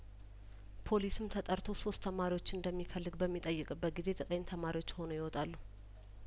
ፖሊስም ተጠርቶ ሶስት ተማሪዎችን እንደሚፈልግ በሚጠይቅበት ጊዜ ዘጠኝ ተማሪዎች ሆነው ይወጣሉ